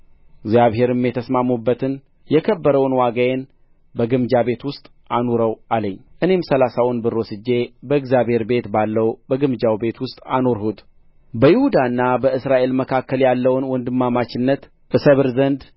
እግዚአብሔርም የተስማሙበትን የከበረውን ዋጋዬን በግምጃ ቤቱ ውስጥ አኑረው አለኝ እኔም ሠላሳውን ብር ወስጄ በእግዚአብሔር ቤት ባለው በግምጃ ቤቱ ውስጥ አኖርሁት በይሁዳና በእስራኤል መካከል ያለውንም ወንድማማችነት እሰብር ዘንድ